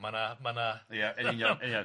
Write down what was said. Ma' 'na ma' 'na... Ia yn union ia.